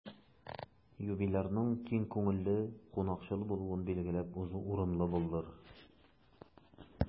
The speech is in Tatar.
Юбилярның киң күңелле, кунакчыл булуын билгеләп узу урынлы булыр.